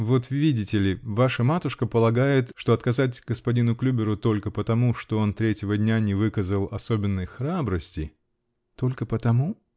-- Вот видите ли, ваша матушка полагает, что отказать господину Клюберу только потому, что он третьего дня не выказал особенной храбрости. -- Только потому?